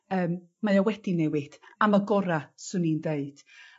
Yym mae o wedi newid am y gora' swn i'n deud.